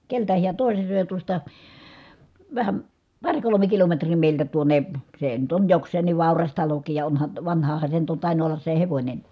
keneltä hän toisen söi ja tuosta vähän pari kolme kilometriä meiltä tuonne se nyt on jokseenkin vauras talokin ja onhan vanhahan se on nyt tainnut olla se hevonenkin